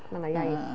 Mae 'na iaith...